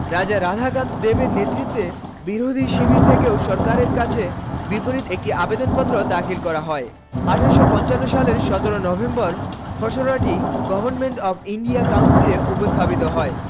রাজা রাধাকান্ত দেব এর নেতৃত্বে বিরোধী বিরোধী শিবির থেকে সরকারের কাছে বিপরীত একটি আবেদনপত্র দাখিল করা হয় ১৮৫৫ সালের ১৭ নভেম্বর খসড়া টি গভর্মেন্ট অফ ইন্ডিয়া কাউন্সিলে উপস্থাপিত হয়